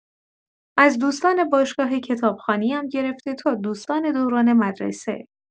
از دوستان باشگاه کتابخوانی‌ام گرفته تا دوستان دوران مدرسه